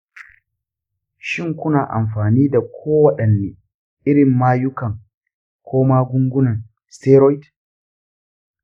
shin ku na amfani da kowaɗanne irin mayukan ko magungunan steroid?